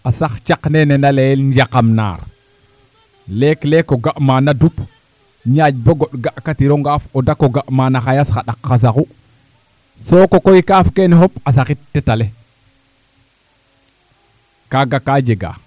a sax caq nene na layel njeqam naar leek leek o ga' maana dup ñaaƴ bo dup ga'katiro ngaaf a dako ga' maana xa yas xa ɗak xa saxu sooko koy kaaf keene fop saxit tet ale Kaaga kaa jegaa